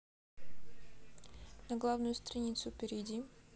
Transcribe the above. на главную страницу перейди